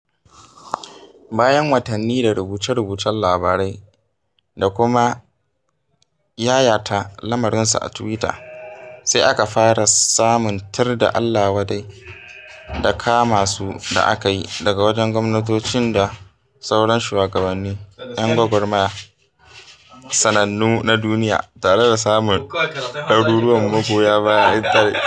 Bayan watanni da rubuce-rubucen labarai da kuma yayata lamarinsu a Tuwita, sai aka fara samun tir da allawadai da kama sun da aka yi daga wajen gwamnatoci da sauran shugabannin 'yan gwagwarmaya sanannu na duniya, tare da samun ɗaruruwan magoya baya a intanet.